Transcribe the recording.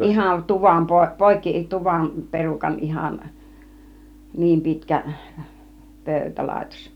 ihan tuvan - poikki tuvan perukan ihan niin pitkä pöytälaitos